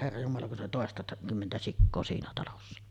herra jumala kun siinä oli - toistakymmentä sikaa siinä talossa